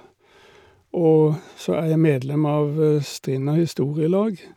Og så er jeg medlem av Strinda historielag.